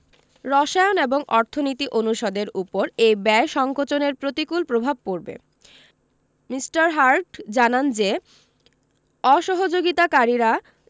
রসায়ন এবং অর্থনীতি অনুষদের ওপর এ ব্যয় সংকোচনের প্রতিকূল প্রভাব পড়বে মি. হার্টগ জানান যে অসহযোগিতাকারীরা